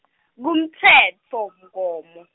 kumtsetfomgomo.